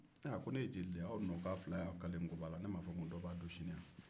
aa ko ne ye jeli de ye aw dun ko k'aw fila y'aw kale ngɔba la ne m'a fɔ ko dɔ b'a dun sini wa